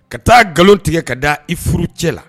Ka taa nkalon tigɛ ka da i furu cɛla la